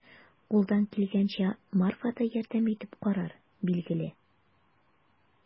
Кулдан килгәнчә Марфа да ярдәм итеп карар, билгеле.